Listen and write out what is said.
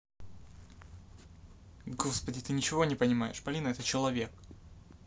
господи ты ничего не понимаешь полина это человек